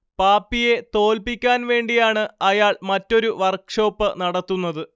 പാപ്പിയെ തോൽപ്പിക്കാൻ വേണ്ടിയാണ് അയാൾ മറ്റൊരു വർക്ക്ഷോപ്പ് നടത്തുന്നത്